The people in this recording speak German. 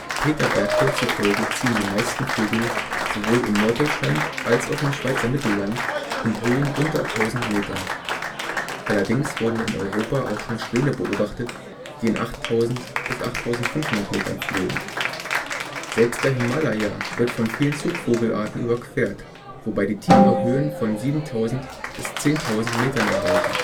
Peter Berthold zufolge ziehen die meisten Vögel sowohl in Norddeutschland als auch im Schweizer Mittelland in Höhen unter 1000 Metern. Allerdings wurden in Europa auch schon Schwäne beobachtet, die in 8000 bis 8500 Metern flogen. Selbst der Himalaya wird von vielen Zugvogel-Arten überquert, wobei die Tiere Höhen von 7000 bis 10000 Metern erreichen